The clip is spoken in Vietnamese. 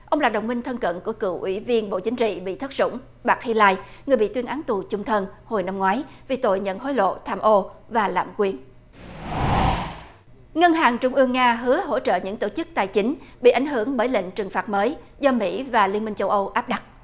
ông là đồng minh thân cận của cựu ủy viên bộ chính trị bị thất sủng bạc hy lai người bị tuyên án tù chung thân hồi năm ngoái vì tội nhận hối lộ tham ô và lạm quyền ngân hàng trung ương nga hứa hỗ trợ những tổ chức tài chính bị ảnh hưởng bởi lệnh trừng phạt mới do mỹ và liên minh châu âu áp đặt